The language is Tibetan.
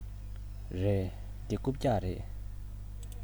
རེད འདི རྐུབ བཀྱག རེད